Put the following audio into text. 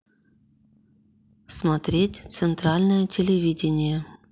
смотреть центральное телевидение